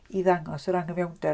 I ddangos yr anghyfiawnder.